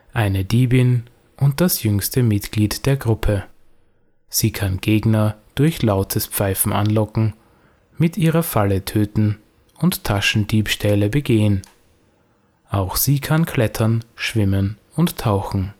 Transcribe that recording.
Eine Diebin und das jüngste Mitglied der Gruppe. Sie kann Gegner durch lautes Pfeifen anlocken, mit ihrer Falle töten und Taschendiebstähle begehen. Auch sie kann klettern, schwimmen und tauchen